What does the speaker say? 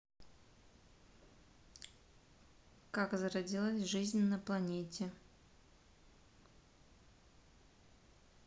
как зародилась жизнь на планете